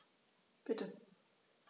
Bitte.